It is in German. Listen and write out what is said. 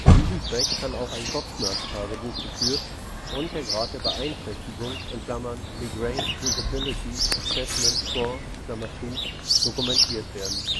diesem Zweck kann auch ein Kopfschmerztagebuch geführt und der Grad der Beeinträchtigung (Migraine Disability Assessment Score) dokumentiert werden